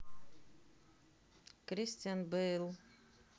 кристиан бейл